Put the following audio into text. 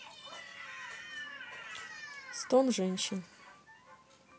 stone женщин